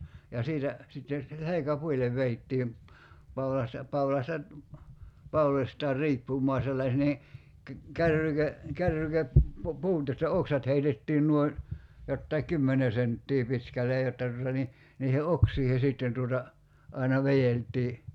ja siitä sitten selkäpuille vedettiin paulasta paulasta pauloistaan riippumaan - niin ---- kärrykepuut josta oksat heitettiin noin jotakin kymmenen senttiä pitkälle jotta tuota niin niiden oksiin sitten tuota aina vedeltiin